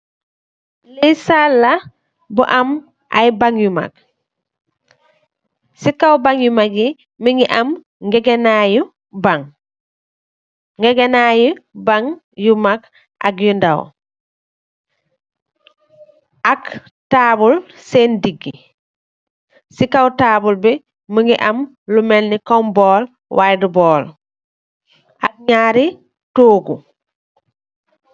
Lii saal la bu am ay bang yu magg, si kaw bang yu magg yi, mingi am ngegenaayu bang, ngegenaayu bang yu magg ak yu ndaw, ak tabul seen digg, si kaw tabul bi mingi am lu melnii kom bol way du bol, am nyaari toogu